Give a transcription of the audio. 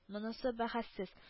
— монсы бәхәссез